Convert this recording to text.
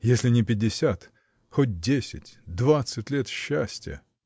Если не пятьдесят, хоть десять, двадцать лет счастья!